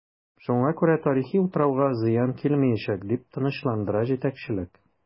Шуңа күрә тарихи утрауга зыян килмиячәк, дип тынычландыра җитәкчелек.